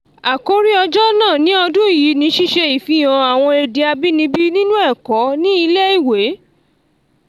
Àkòrí Ọjọ́ náà ní ọdún yìí ni ṣíṣe ìfihàn àwọn èdè abínibí nínú ẹ̀kọ́ ní ilé-ìwé.